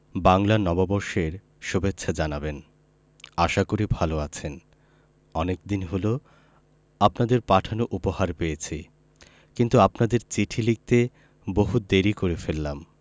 বাংলা নববর্ষের সুভেচ্ছা জানাবেন আশা করি ভালো আছেন অনেকদিন হল আপনাদের পাঠানো উপহার পেয়েছি কিন্তু আপনাদের চিঠি লিখতে বহু দেরী করে ফেললাম